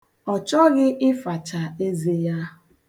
Ọchọghị ịfacha eze ya.